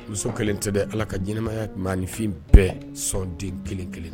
Muso kelen tɛ bɛ ala ka ɲmaya ban nifin bɛɛ sɔnden kelen kelen